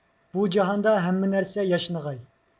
بۇ جاھاندا ھەممە نەرسە ياشنىغاي